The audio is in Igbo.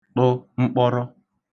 ṭụ mkpọrọ